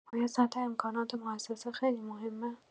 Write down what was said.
آیا سطح امکانات موسسه خیلی مهمه؟